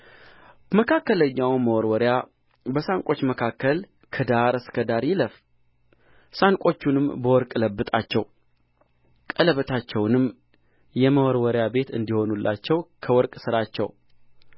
መካከለኛውም መወርወሪያ በሳንቆች መካከል ከዳር እስከ ዳር ይለፍ ሳንቆቹንም በወርቅ ለብጣቸው ቀለበቶቻቸውንም የመወርወሪያ ቤት እንዲሆኑላቸው ከወርቅ ሥራቸው